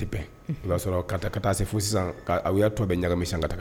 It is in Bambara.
O tɛ bɛn , o la sɔrɔ ka taa se fo sisan a y'a tɔ bɛɛ ɲagami sisan ka taa